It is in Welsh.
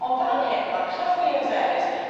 Ond fan hyn ma' Clough Williams-Ellis